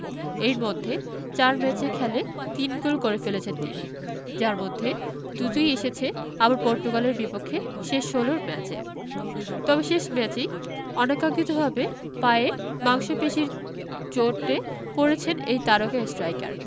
এর মধ্যে ৪ ম্যাচে খেলে ৩ গোল করে ফেলেছেন তিনি যার মধ্যে দুটোই এসেছে আবার পর্তুগালের বিপক্ষে শেষ ষোলোর ম্যাচে তবে শেষ ম্যাচেই অনাকাঙ্ক্ষিতভাবে পায়ের মাংসপেশির চোটে পড়েছেন এই তারকা স্ট্রাইকার